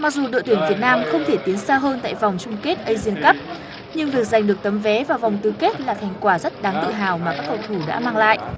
mặc dù đội tuyển việt nam không thể tiến xa hơn tại vòng chung kết ây si ừn cắp nhưng việc giành được tấm vé vào vòng tứ kết là thành quả rất đáng tự hào mà các cầu thủ đã mang lại